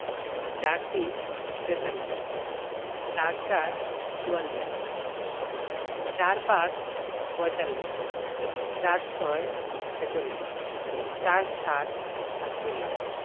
৪৩ - তেতাল্লিশ ৪৪ – চুয়াল্লিশ ৪৫ - পঁয়তাল্লিশ ৪৬ - ছেচল্লিশ ৪৭ - সাতচল্লিশ